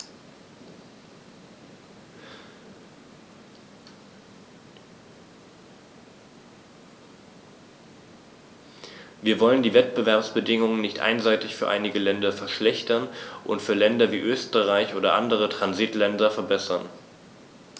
Wir wollen die Wettbewerbsbedingungen nicht einseitig für einige Länder verschlechtern und für Länder wie Österreich oder andere Transitländer verbessern.